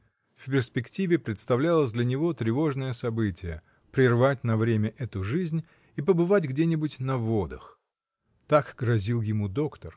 в перспективе представлялось для него тревожное событие — прервать на время эту жизнь и побывать где-нибудь на водах. Так грозил ему доктор.